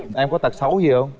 có tật xấu gì hông